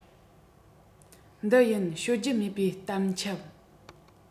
འདི ཡིན ཤོད རྒྱུ མེད པའི གཏམ འཁྱམས